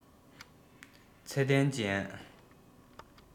ཚད ལྡན ཅན